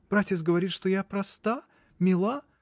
Братец говорит, что я проста, мила.